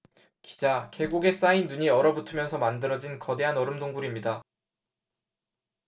기자 계곡에 쌓인 눈이 얼어붙으면서 만들어진 거대한 얼음 동굴입니다